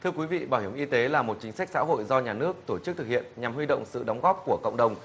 thưa quý vị bảo hiểm y tế là một chính sách xã hội do nhà nước tổ chức thực hiện nhằm huy động sự đóng góp của cộng đồng